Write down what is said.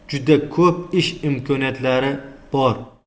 uchun juda ko'p ish imkoniyatlari bor